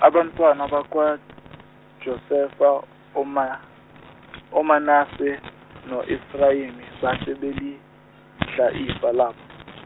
abantwana bakwaJosefa oMa- oManase noEfrayemi base balidla ifa labo.